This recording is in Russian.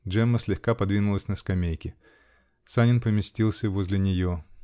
-- Джемма слегка подвинулась на скамейке. Санин поместился возле нее.